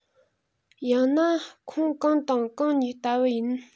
ཡང ན ཁོངས གང དང གང གཉིས ལྟ བུ ཡིན